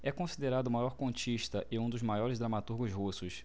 é considerado o maior contista e um dos maiores dramaturgos russos